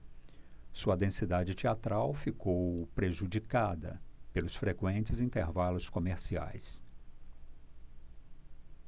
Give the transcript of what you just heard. sua densidade teatral ficou prejudicada pelos frequentes intervalos comerciais